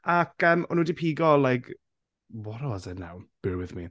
Ac yym o'n nhw di pigio like... what was it now? Bear with me.